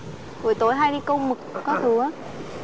buổi tối hay đi câu mực các thứ á